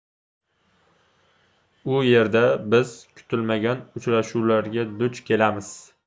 u yerda biz kutilmagan uchrashuvlarga duch kelamiz